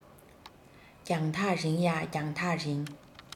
རྒྱང ཐག རིང ཡ རྒྱང ཐག རིང